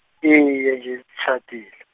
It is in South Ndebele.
iye nje tshadil- .